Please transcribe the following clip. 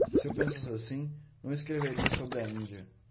se eu pensasse assim não escreveria sobre a índia